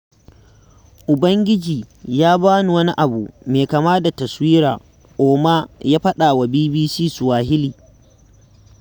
Ubangiji ya ba ni wani abu mai kama da taswira, Ouma ya faɗawa BBC Swahili.